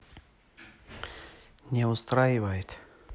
не устраивает